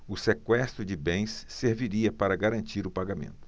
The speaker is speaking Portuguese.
o sequestro de bens serviria para garantir o pagamento